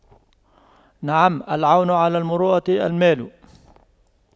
نعم العون على المروءة المال